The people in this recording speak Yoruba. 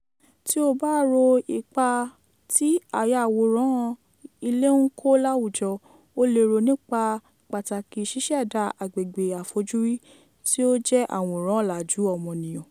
Tí o bá ro ipa tí ayàwòrán-ilé ń kó láwùjọ, o le rò nípa pàtàkì ṣíṣẹ̀dá agbègbè àfojúrí tí ó jẹ́ àwòrán ọ̀làjú ọmọnìyàn.